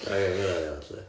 o ie ma' hynna'n iawn 'lly